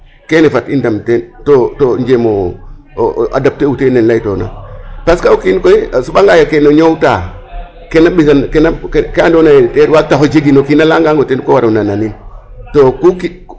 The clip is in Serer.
Kene fat i ndam teen to to njem o adapter u teen ne laytoona parce que o kiin koy a soɓanga yee ke o ñoowta kene ke na ke andoona yee te waag o tax o jegin o kiin a layangang o ten ko waro nananin to ku kiin.